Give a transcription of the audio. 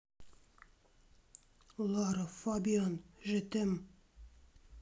лара фабиан жетем